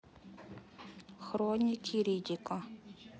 хроники риддика